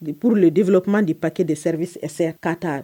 Pur de de kumaman di pakɛ de se kata